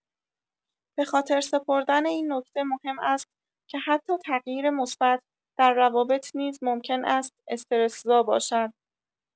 به‌خاطر سپردن این نکته مهم است که حتی تغییر مثبت در روابط نیز ممکن است استرس‌زا باشد.